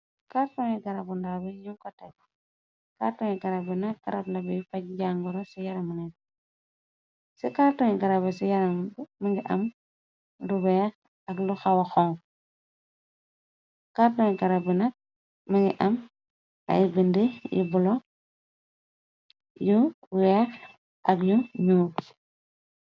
Kartoni garabu ndarbi ñu kotek kartoni garabinak rab la biy faj jangoro ci yaramnit ci qarton garabe ci yaram b mëngi am rubeex ak lu xawaxon carton garabbinak më ngi am ay bind yi bulo yu weex ak yu ñuu.